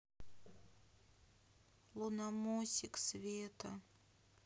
луномосик света